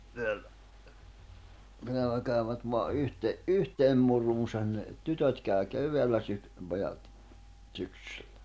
täällä täällä kävivät vain - yhteen muruunsa ne tytöt kävi keväällä - pojat syksyllä